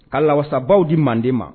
Ka lasabaa di manden ma